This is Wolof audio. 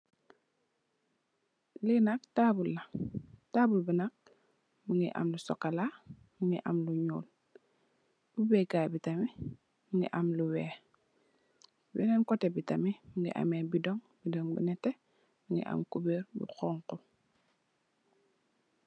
Lenak table la. Table bu nak mu nge ameh lu sokolaa mu am lu nul. Ubay kai bi nak mu gi am lu weyh. benen koteh bi tamit munge ameh kubarr bu honha.